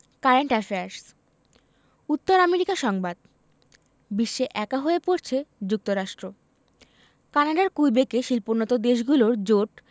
current affairs উত্তর America সংবাদ বিশ্বে একা হয়ে পড়ছে যুক্তরাষ্ট্র কানাডার কুইবেকে শিল্পোন্নত দেশগুলোর জোট